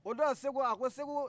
o don segu a ko segu